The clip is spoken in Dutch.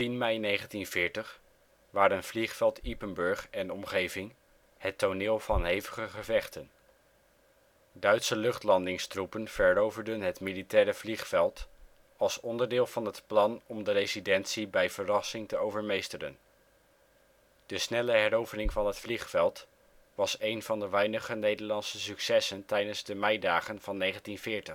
mei 1940 waren Vliegveld Ypenburg en omgeving het toneel van hevige gevechten. Duitse luchtlandingstroepen veroverden het militaire vliegveld als onderdeel van het plan om de residentie bij verrassing te overmeesteren. De snelle herovering van het vliegveld was een van de weinige Nederlandse successen tijdens de meidagen van 1940. (zie: De slag